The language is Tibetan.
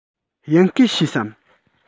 དབྱིན སྐད ཤེས སམ